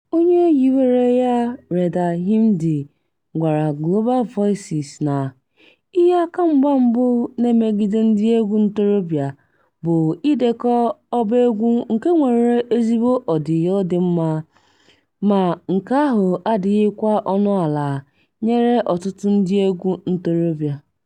Onye hiwere ya, Reda Hmidi, gwara Global Voices na "ihe akamgba mbụ na-emegide ndịegwu ntorobịa bụ idekọ ọbaegwu nke nwere ezigbo ọdịyo dị mma, ma nke ahụ adịghịkwa ọnụala nyere ọtụtụ ndịegwu ntorobịa."